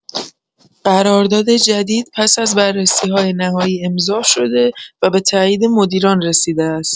قرارداد جدید پس از بررسی‌های نهایی امضاء‌شده و به تایید مدیران رسیده است.